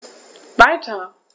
Weiter.